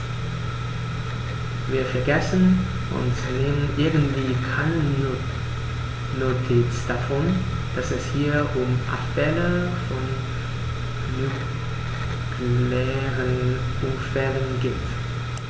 Wir vergessen, und nehmen irgendwie keine Notiz davon, dass es hier um Abfälle von nuklearen Unfällen geht.